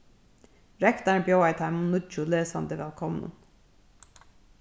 rektarin bjóðaði teimum nýggju lesandi vælkomnum